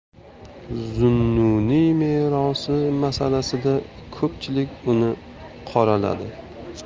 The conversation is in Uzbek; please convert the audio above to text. zunnuniy merosi masalasida ko'pchilik uni qoraladi